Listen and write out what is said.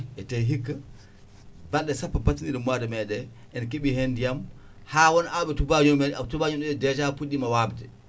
ete hikka balɗe sappo battidiɗe mois de mai ɗe en keeɓi hen ndiyam ha won awɓe tubaño mumen tubaño mumen déjà puɗɗi wabde